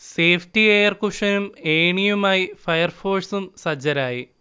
safety air കുഷനും ഏണിയുമായി fire ഫോഴ്സും സജ്ജരായി